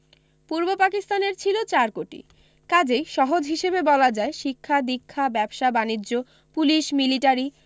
পূর্ব পাকিস্তানের ছিল চার কোটি কাজেই সহজ হিসেবে বলা যায় শিক্ষা দীক্ষা ব্যবসা বাণিজ্য পুলিশ মিলিটারি